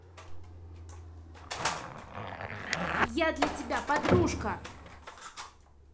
я для тебя подружка